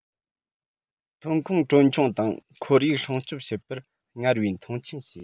ཐོན ཁུངས གྲོན ཆུང དང ཁོར ཡུག སྲུང སྐྱོང བྱེད པར སྔར བས མཐོང ཆེན བྱེད